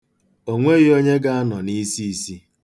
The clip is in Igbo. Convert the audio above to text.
O nweghị onye ga-anọ n'isiisi.